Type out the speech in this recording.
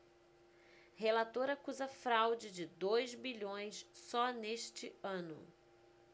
relator acusa fraude de dois bilhões só neste ano